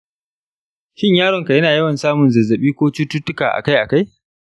shin yaronka yana yawan samun zazzabi ko cututtuka akai-akai?